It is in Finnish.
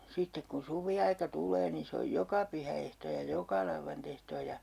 sitten kun suviaika tulee niin se on joka pyhäehtoo ja joka lauantaiehtoo ja